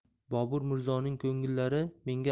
bobur mirzoning ko'ngillari menga